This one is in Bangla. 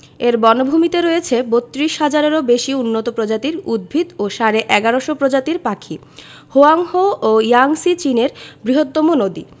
এর বনভূমিতে রয়েছে ৩২ হাজারেরও বেশি উন্নত প্রজাতির উদ্ভিত ও সাড়ে ১১শ প্রজাতির পাখি হোয়াংহো ও ইয়াংসি চীনের বৃহত্তম নদী